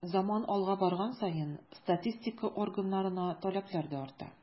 Заман алга барган саен статистика органнарына таләпләр дә арта.